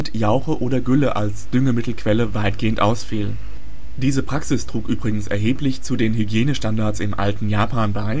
Jauche oder Gülle als Düngemittelquelle weitgehend ausfiel. Diese Praxis trug übrigens erheblich zu den Hygienestandards im alten Japan bei